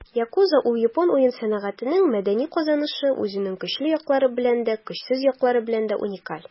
Yakuza - ул япон уен сәнәгатенең мәдәни казанышы, үзенең көчле яклары белән дә, көчсез яклары белән дә уникаль.